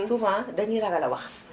souvent dañuy ragal a wax